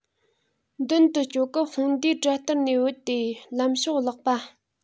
མདུན དུ སྐྱོད སྐབས དཔུང སྡེའི གྲལ སྟར ནས བུད དེ ལམ ཕྱོགས བརླག པ